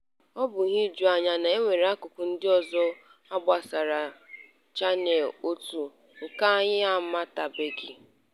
Ọ bụ ihe ijuanya na e nwere akụkụ ndị ọzọ gbasara ara Channel One nke anyị n'amatabeghị.